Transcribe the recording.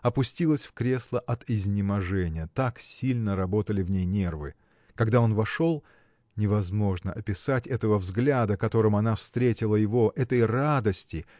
опустилась в кресла от изнеможения – так сильно работали в ней нервы. Когда он вошел. невозможно описать этого взгляда которым она встретила его этой радости